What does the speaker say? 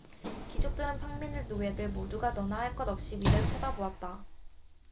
귀족들 평민들 노예들 모두가 너나 할 것 없이 위를 쳐다보았다